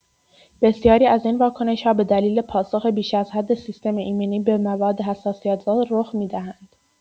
بسیاری از این واکنش‌ها به دلیل پاسخ بیش از حد سیستم ایمنی به مواد حساسیت‌زا رخ می‌دهند.